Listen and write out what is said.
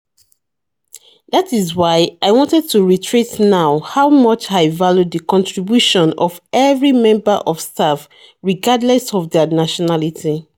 That is why I wanted to reiterate now how much I value the contribution of every member of staff, regardless of their nationality.